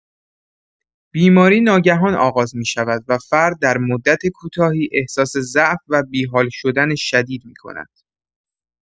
بیماری ناگهانی آغاز می‌شود و فرد در مدت کوتاهی احساس ضعف و بی‌حال شدن شدید می‌کند.